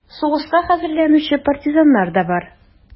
Сугышка хәзерләнүче партизаннар да бар: